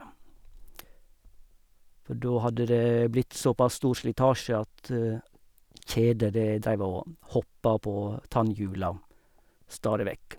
For da hadde det blitt såpass stor slitasje at kjedet det dreiv og hoppa på tannhjula stadig vekk.